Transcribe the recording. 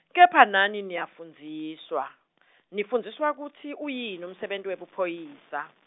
kepha nani niyafundziswa , nifundziswa kutsi uyini umsebenti webuphoyisa.